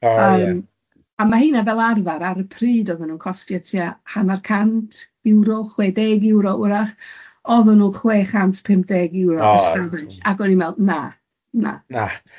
Oh ia. Yym a ma' heina fel arfer ar y pryd oedden nhw'n costio tua hannar cant euro, chwe deg euro wrach, oedden nhw'n chwe chant pump deg euro. O yym. Ac o'n i'n meddwl na, na.